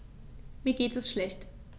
Mir geht es schlecht.